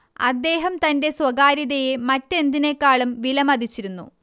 അദ്ദേഹം തന്റെ സ്വകാര്യതയെ മറ്റെന്തിനേക്കാളും വിലമതിച്ചിരുന്നു